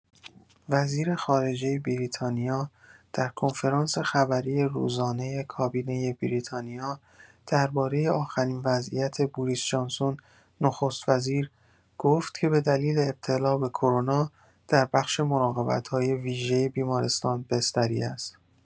وزیر خارجه بریتانیا در کنفرانس خبری روزانه کابینه بریتانیا درباره آخرین وضعیت بوریس جانسون، نخست‌وزیر گفت که به دلیل ابتلا به کرونا در بخش مراقبت‌های ویژه بیمارستان بستری است.